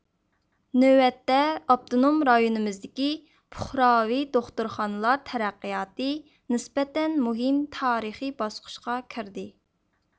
نۆۋەتتە ئاپتونوم رايونىمىزدىكى پۇقراۋى دوختۇرخانىلار تەرەققىياتى نىسبەتەن مۇھىم تارىخىي باسقۇچقا كىردى